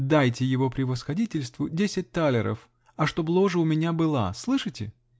-- Дайте его превосходительству десять талеров, -- а чтоб ложа у меня была! Слышите!